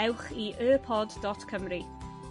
ewch i y-pod dot Cymru.